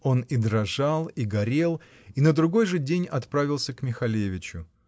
он и дрожалки горел, и на другой же день отправился к Михалевичу.